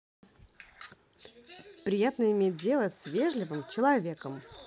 приятно иметь дело с вежливым человеком